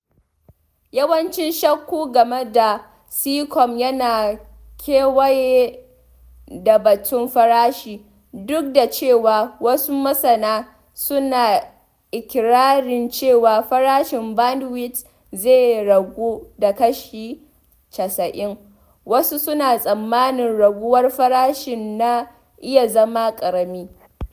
Yawancin shakku game da Seacom yana kewaye da batun farashi: duk da cewa wasu masana suna ikirarin cewa farashin bandwidth zai ragu da kashi 90, wasu suna tsammanin raguwar farashin na iya zama ƙarami.